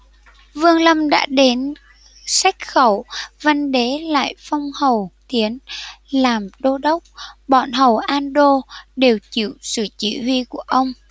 vương lâm đã đến sách khẩu văn đế lại phong hầu thiến làm đô đốc bọn hầu an đô đều chịu sự chỉ huy của ông